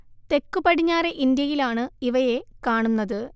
തെക്കു പടിഞ്ഞാറെ ഇന്ത്യയിലാണ് ഇവയെ കാണുന്നത്